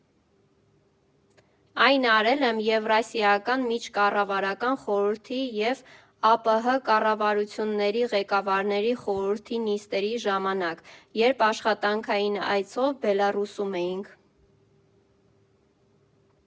Այն արել եմ Եվրասիական միջկառավարական խորհրդի և ԱՊՀ կառավարությունների ղեկավարների խորհրդի նիստերի ժամանակ, երբ աշխատանքային այցով Բելառուսում էինք։